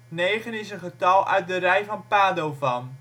Negen is een getal uit de rij van Padovan